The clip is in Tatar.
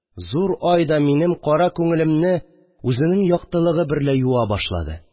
Зур ай да минем кара күңелемне үзенең яктылыгы берлә юа башлады